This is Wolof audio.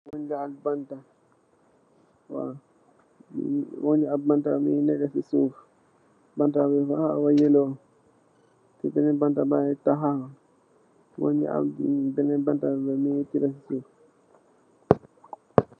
Munge am banta amna banta yu neka si suff banta bi dafa khawa yellow banta munge takhaw amna yenen yufa neka